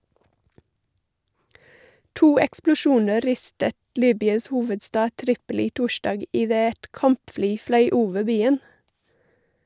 To eksplosjoner rystet Libyas hovedstad Tripoli torsdag idet et kampfly fløy over byen.